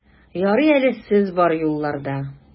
Ярый әле сез бар юлларда!